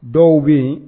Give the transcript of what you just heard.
Dɔw bɛ yen